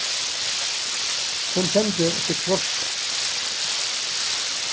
hon kendi seg kroysta